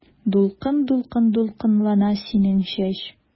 Дулкын-дулкын дулкынлана синең чәч.